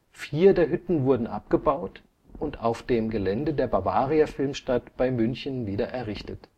Vier der Hütten wurden abgebaut und auf dem Gelände der Bavaria Filmstadt bei München wieder errichtet